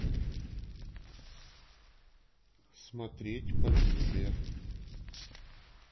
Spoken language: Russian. смотреть полиция